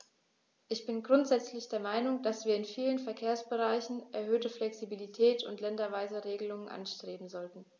Ich bin grundsätzlich der Meinung, dass wir in vielen Verkehrsbereichen erhöhte Flexibilität und länderweise Regelungen anstreben sollten.